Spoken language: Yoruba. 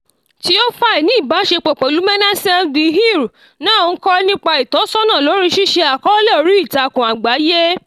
Théophile ní ìbáṣepọ̀ pẹ̀lú Manasseh Deheer náà ń kọ nípa ìtọ́sọ́nà lórí ṣíṣe àkọọ́lẹ̀ oríìtakùn àgbáyé.